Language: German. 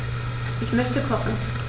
Ich möchte kochen.